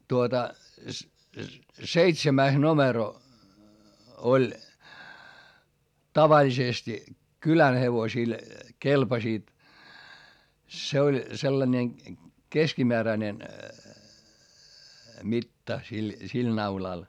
tuota seitsemäs numero oli tavallisesti kylän hevosilla kelpasivat se oli sellainen keskimääräinen mitta sillä sillä naulalla